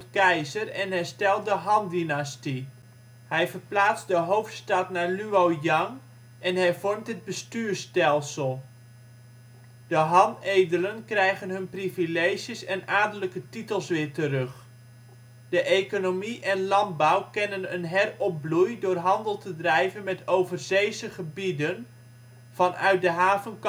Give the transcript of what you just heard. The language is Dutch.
keizer en herstelt de Han-dynastie. Hij verplaatst de hoofdstad naar Luoyang en hervormt het bestuursstelsel. De Han-edelen krijgen hun privileges en adellijke titels weer terug. De economie en landbouw kennen een heropbloei door handel te drijven met overzeese gebieden, vanuit de haven